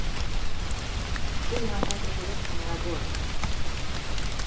biðið hann taka tallerkarnar av borðinum